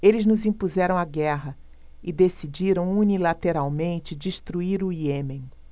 eles nos impuseram a guerra e decidiram unilateralmente destruir o iêmen